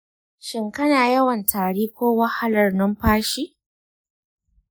shin kana yawan tari ko wahalar numfashi?